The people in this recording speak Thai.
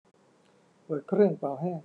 เปิดเครื่องเป่าแห้ง